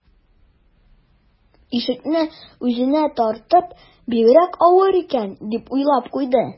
Ишекне үзенә тартып: «Бигрәк авыр икән...», - дип уйлап куйды